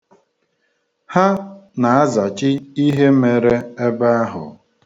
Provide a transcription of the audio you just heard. Ha na-azachi ihe mere ebe ahụ